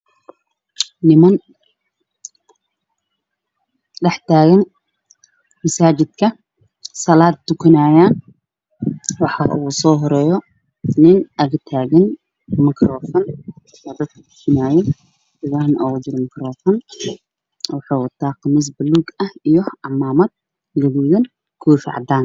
Masaajidda waxaa ku tukanaya niman badan ninka u soo horeeyay waxa uu wataa qamiis iyo cimaamad guduuda